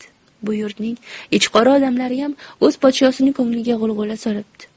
bu yurtning ichiqora odamlariyam o'z podshosini ko'ngliga g'ulg'ula solibdi